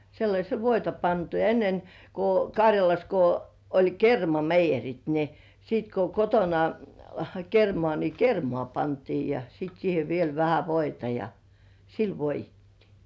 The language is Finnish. sellaisella voita pantu ja ennen kun Karjalassa kun oli kermameijerit niin sitten kun kotona kermaa niin kermaa pantiin ja sitten siihen vielä vähän voita ja sillä voidettiin